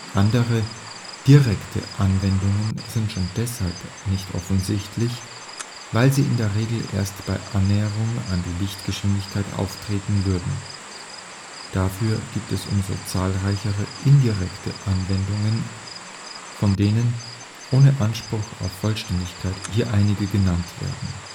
Andere direkte Anwendungen sind schon deshalb nicht offensichtlich, weil sie in der Regel erst bei Annäherung an die Lichtgeschwindigkeit auftreten würden. Dafür gibt es um so zahlreichere indirekte Anwendungen, von denen – ohne Anspruch auf Vollständigkeit – hier einige genannt werden